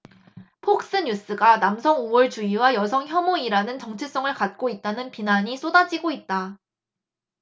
폭스뉴스가 남성우월주의와 여성혐오이라는 정체성을 갖고 있다는 비난이 쏟아지고 있다